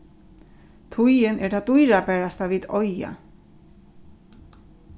tíðin er tað dýrabarasta vit eiga